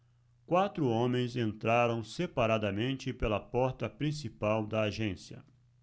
quatro homens entraram separadamente pela porta principal da agência